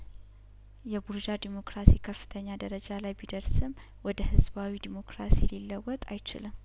የቡርዣ ዴሞክራሲ ከፍተኛ ደረጃ ላይ ቢደርስም ወደ ህዝባዊ ዴሞክራሲ ሊለወጥ አይችልም